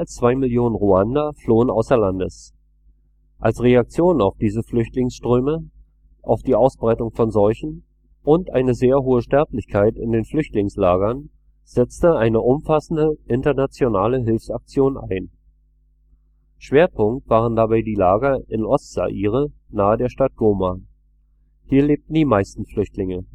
zwei Millionen Ruander flohen außer Landes. Als Reaktion auf diese Flüchtlingsströme, auf die Ausbreitung von Seuchen und eine sehr hohe Sterblichkeit in den Flüchtlingslagern setzte eine umfassende internationale Hilfsaktion ein. Schwerpunkt waren dabei die Lager in Ostzaire, nahe der Stadt Goma. Hier lebten die meisten Flüchtlinge